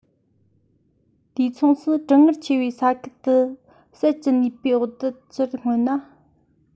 དུས མཚུངས སུ གྲང ངར ཆེ བའི ས ཁུལ དུ སད ཀྱི ནུས པའི འོག ཏུ ཕྱིར མངོན ན